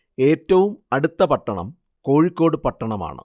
ഏറ്റവും അടുത്ത പട്ടണം കോഴിക്കോട് പട്ടണമാണ്